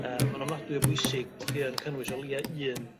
yy ma'n ofnadwy o bwysig bo chi yn cynnwys o'lia un